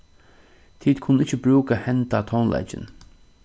tit kunnu ikki brúka henda tónleikin